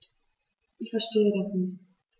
Ich verstehe das nicht.